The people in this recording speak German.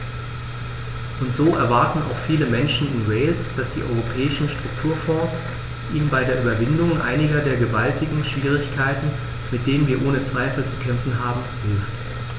Und so erwarten auch viele Menschen in Wales, dass die Europäischen Strukturfonds ihnen bei der Überwindung einiger der gewaltigen Schwierigkeiten, mit denen wir ohne Zweifel zu kämpfen haben, hilft.